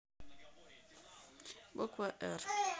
буква р